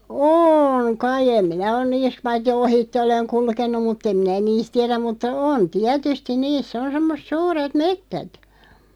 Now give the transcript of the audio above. on kai en minä ole niissä paitsi ohitse olen kulkenut mutta en minä niistä tiedä mutta on tietysti niissä on semmoiset suuret metsät